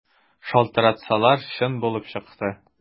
Шалтыратсалар, чын булып чыкты.